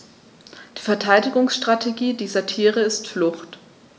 Die Verteidigungsstrategie dieser Tiere ist Flucht.